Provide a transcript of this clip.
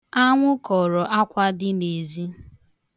Anwụ kọrọ akwa dị n'ezi